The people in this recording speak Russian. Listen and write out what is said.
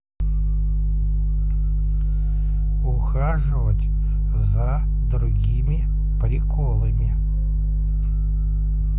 ухаживать за другими приколами